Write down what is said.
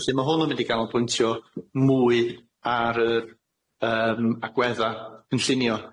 Felly ma' hwn yn mynd i ganolbwyntio mwy ar y yym agwedda cynllunio.